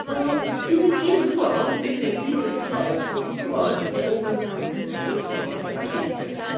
Wel dan ni gyd yn gwybod I'm not being funny, os ti 'di bod i clwb, fel ti'n gwybod, it all goes down in the smoking area. Dyna lle ti isio...